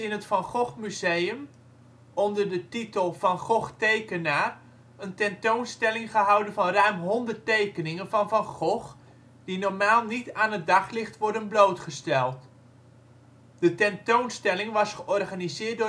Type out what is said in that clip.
het Van Gogh Museum onder de titel ' Van Gogh tekenaar ' een tentoonstelling gehouden van ruim 100 tekeningen van Van Gogh, die normaal niet aan het daglicht worden blootgesteld. De tentoonstelling was georganiseerd